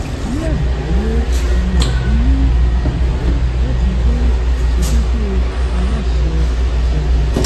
Ní àgbáyé, ọmọ-ìlú ní ẹ̀tọ́ láti wá àìṣedéédé aláṣẹ ìjọba.